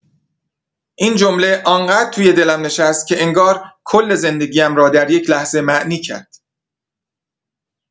این جمله آن‌قدر توی دلم نشست که انگار کل زندگی‌ام را در یک‌لحظه معنی کرد.